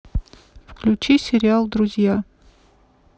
включи сериал друзья